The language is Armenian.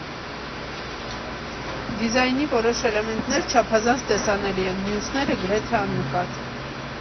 Դիզայնի որոշ էլեմենտներ չափազանց տեսանելի են, մյուսները՝ գրեթե աննկատ։